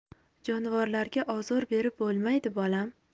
jonivorlarga ozor berib bo'lmaydi bolam